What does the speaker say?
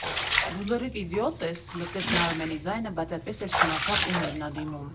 «Դու լրիվ իձիոտ ե՞ս», ֊ լսեց նա Արմենի ձայնը, բայց այդպես էլ չիմացավ՝ ում էր նա դիմում։